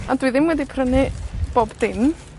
Ond dwi ddim wedi prynu bob dim